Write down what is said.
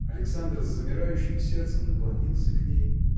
Александр с замирающим сердцем наклонился к ней.